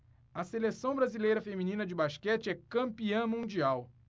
a seleção brasileira feminina de basquete é campeã mundial